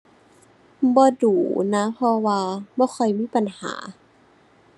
บ่ดู๋นะ เพราะว่าบ่ค่อยมีปัญหา